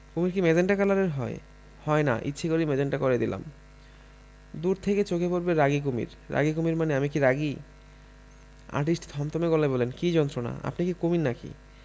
কুমীর কি মেজেন্টা কালারের হয় হয় না ইচ্ছা করেই মেজেন্টা করে দিলাম দূর থেকে চোখে পড়বে রাগী কুমীর' রাগী কুমীর মানে আমি কি রাগী আর্টিস্ট থমথমে গলায় বললেন কি যন্ত্রণা আপনি কি কুমীর না কি